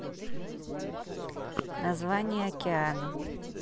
название океана